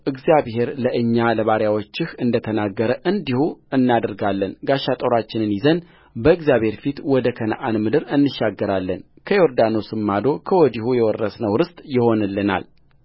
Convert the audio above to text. እግዚአብሔር ለእኛ ለባሪያዎችህ እንደ ተናገረ እንዲሁ እናደርጋለንጋሻ ጦራችንን ይዘን በእግዚአብሔር ፊት ወደ ከነዓን ምድር እንሻገራለን ከዮርዳኖስም ማዶ ከወዲሁ የወረስነው ርስት ይሆንልናል